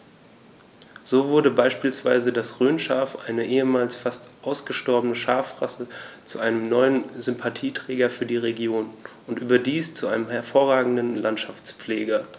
So wurde beispielsweise das Rhönschaf, eine ehemals fast ausgestorbene Schafrasse, zu einem neuen Sympathieträger für die Region – und überdies zu einem hervorragenden Landschaftspfleger.